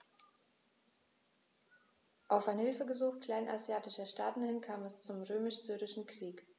Auf ein Hilfegesuch kleinasiatischer Staaten hin kam es zum Römisch-Syrischen Krieg.